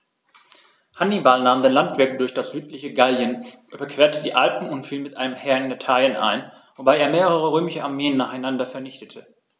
Hannibal nahm den Landweg durch das südliche Gallien, überquerte die Alpen und fiel mit einem Heer in Italien ein, wobei er mehrere römische Armeen nacheinander vernichtete.